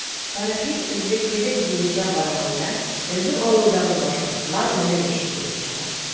Тарихи эзлеклелек буенча караганда, безнең авылдагы “башкортлар” менә ничек килеп чыга.